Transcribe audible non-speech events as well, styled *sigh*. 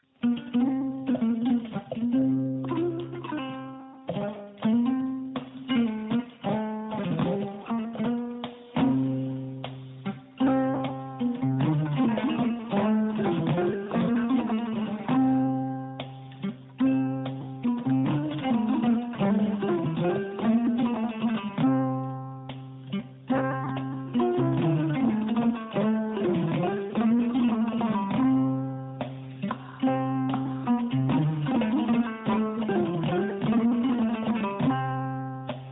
*music*